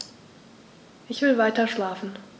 Ich will weiterschlafen.